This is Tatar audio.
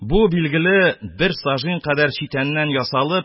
Бу - билгеле, бер сажень кадәр читәннән ясалып,